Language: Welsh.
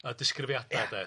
a disgrifiada de. Ia.